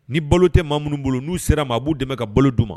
Ni balo tɛ maa minnu bolo, n'u ser'a ma, a b'u dɛmɛ ka balo d'u ma.